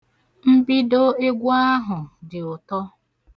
Mbido egwu ahụ dị ụtọ